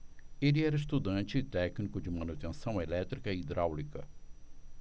ele era estudante e técnico de manutenção elétrica e hidráulica